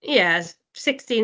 Ie s- sixteen.